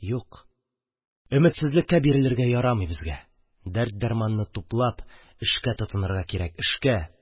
Юк, өметсезлеккә бирелергә ярамый безгә, дәрт-дарманны туплап, эшкә тотынырга кирәк, эшкә!